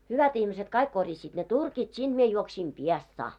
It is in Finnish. hyvät ihmiset kaikki korjasivat ne turkit sinne minä juoksin Piestsaan